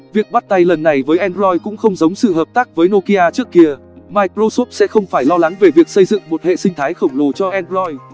việc bắt tay lần này với android cũng không giống sự hợp tác với nokia trước kia microsoft sẽ không phải lo lắng về việc xây dựng một hệ sinh thái khổng lồ cho android